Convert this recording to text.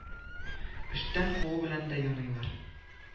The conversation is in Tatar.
Эштән куу белән дә яныйлар